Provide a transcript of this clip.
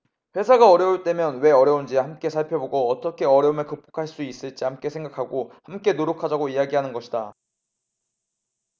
회사가 어려울 때면 왜 어려운지 함께 살펴보고 어떻게 어려움을 극복할 수 있을지 함께 생각하고 함께 노력하자고 이야기하는 것이다